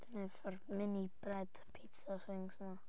Dan ni efo'r mini bread pizza things 'na.